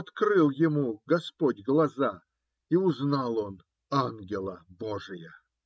открыл ему господь глаза, и узнал он ангела божия.